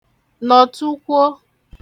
nọ̀tukwo